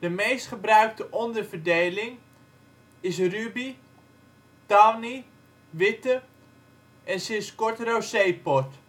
meest gebruikte onderverdeling is de ruby, tawny, witte en sinds kort rosé port